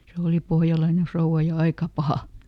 se oli pohjalainen rouva ja aika paha